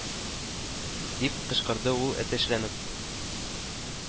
Дип кычкырды ул әтәчләнеп